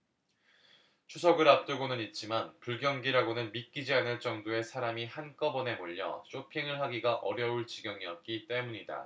추석을 앞두고는 있지만 불경기라고는 믿기지 않을 정도의 사람이 한꺼번에 몰려 쇼핑을 하기가 어려울 지경이었기 때문이다